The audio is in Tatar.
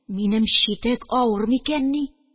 Минем читек авыр микәнни